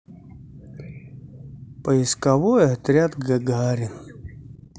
поисковый отряд гагарин